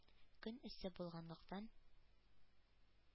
Көн эссе булганлыктан,